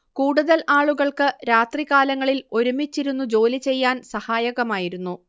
കൂടുതൽ ആളുകൾക്ക് രാത്രികാലങ്ങളിൽ ഒരുമിച്ചിരുന്നു ജോലിചെയ്യാൻ സഹായകമായിരുന്നു